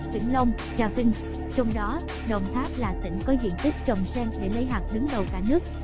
vĩnh long trà vinh trong đó đồng tháp là tỉnh có diện tích trồng sen để lấy hạt đứng đầu cả nước